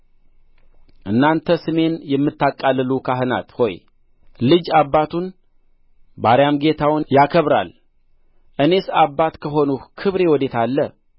እናንተ ስሜን የምታቃልሉ ካህናት ሆይ ልጅ አባቱን ባሪያም ጌታውን ያከብራል እኔስ አባት ከሆንሁ ክብሬ ወዴት አለ